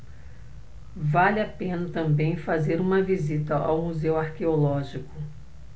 vale a pena também fazer uma visita ao museu arqueológico